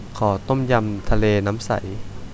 ขอต้มยำทะเลน้ำใส